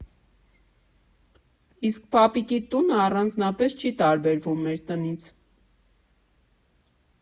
Իսկ պապիկիդ տունը առանձնապես չի տարբերվում մեր տնից։